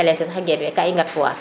calel ke sax ngeen we ga i ngat foire